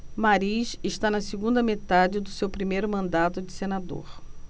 mariz está na segunda metade do seu primeiro mandato de senador